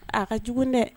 A ka jugun dɛ